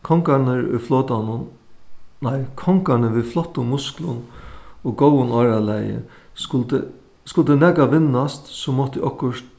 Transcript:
kongarnir í flotanum nei kongarnir við flottum musklum og góðum áralagi skuldi skuldi nakað vinnast so mátti okkurt